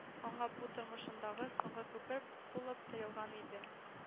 Аңа бу тормышындагы соңгы күпер булып тоелган иде